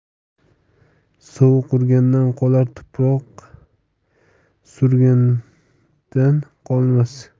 sovuq urgandan qolar tuproq surgandan qolmas